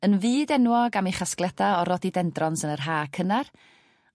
Yn fyd enwog am ei chasgliada o Rhodidendrons yn yr ha cynnar